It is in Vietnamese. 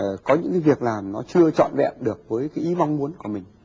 có những cái việc làm nó chưa trọn vẹn được với cái ý mong muốn của mình